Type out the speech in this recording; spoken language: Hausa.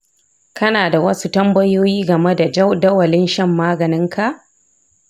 kana da wasu tambayoyi game da jadawalin shan maganinka?